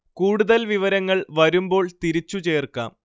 കൂടുതൽ വിവരങ്ങൾ വരുമ്പോൾ തിരിച്ചു ചേർക്കാം